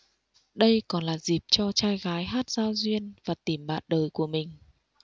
đây còn là dịp cho trai gái hát giao duyên và tìm bạn đời của mình